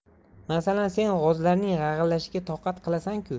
masalan sen g'ozlarning g'ag'illashiga toqat qilasan ku